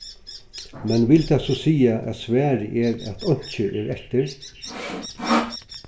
men vil tað so siga at svarið er at einki er eftir